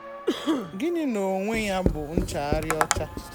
Gịnị n'onwe ya bụ nchaghari ọcha?